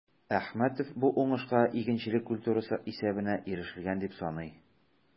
Әхмәтов бу уңышка игенчелек культурасы исәбенә ирешелгән дип саный.